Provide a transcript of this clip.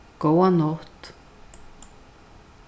góða nátt